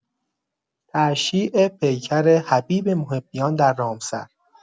تشییع پیکر حبیب محبیان در رامسر